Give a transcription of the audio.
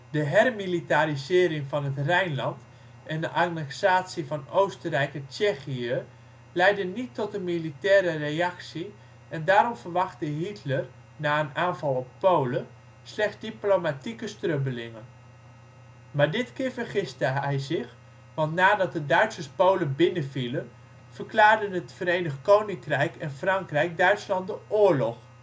De hermilitarisering van het Rijnland en de annexatie van Oostenrijk en Tsjechië leidde niet tot een militaire reactie en daarom verwachtte Hitler, na een aanval op Polen, slechts diplomatieke strubbelingen. Maar dit keer vergiste hij zich, want nadat de Duitsers Polen binnenvielen verklaarden het Verenigd Koninkrijk en Frankrijk Duitsland de oorlog